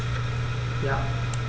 Ja.